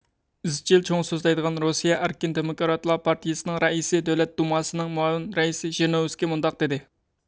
ئىزچىل چوڭ سۆزلەيدىغان روسىيە ئەركىن دېموكراتلار پارتىيىسىنىڭ رەئىسى دۆلەت دۇماسىنىڭ مۇئاۋىن رەئىسى ژىرنوۋىسكىي مۇنداق دېدى